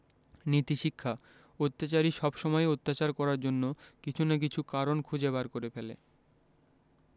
নীতিশিক্ষা অত্যাচারী সবসময়ই অত্যাচার করার জন্য কিছু না কিছু কারণ খুঁজে বার করে ফেলে